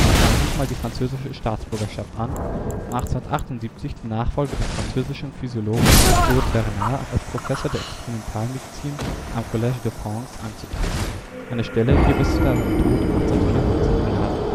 nahm diesmal die französische Staatsbürgerschaft an, um 1878 die Nachfolge des französischen Physiologen Claude Bernard als Professor für Experimentalmedizin am Collège de France anzutreten, eine Stelle, die er bis zu seinem Tod 1894 innehatte